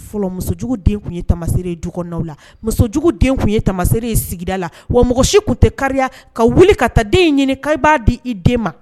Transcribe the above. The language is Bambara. Fɔlɔ musojugu den tun ye tamase duw la musojugu den tun ye tamasere sigida la wa mɔgɔ si tunu tɛ kari ka wuli ka taa den ɲini ko i b'a di i den ma